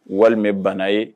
Walima bana ye